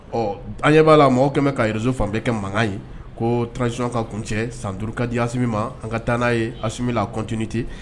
Ɔ an ɲɛ b'a la mɔgɔw kɛ bɛn ka réseau fan bɛɛ kɛ mankan ye ko transition ka kun cɛ, san duuru ka di Asimi ma, a ka taa n'a ye Asimi la continuité